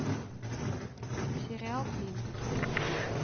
сериал клим